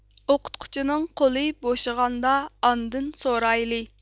ئوقۇتقۇچىنىڭ قولى بوشىغاندا ئاندىن سورايلى